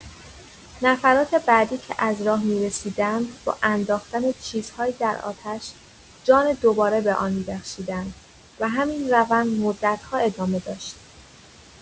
نفرات بعدی که از راه می‌رسیدند، با انداختن چیزهایی در آتش، جان دوباره به آن می‌بخشیدند و همین روند مدت‌ها ادامه داشت.